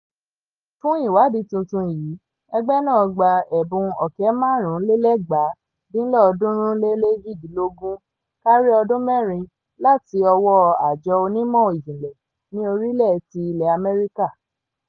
Fún ìwádìí tuntun yìí ẹgbẹ́ náà gba ẹ̀bùn $181,682 kárí ọdún mẹ́rin láti ọwọ́ Àjọ Onímọ̀-ìjìnlẹ̀ ní Orílẹ̀ ti ilẹ̀ Amẹ́ríkà.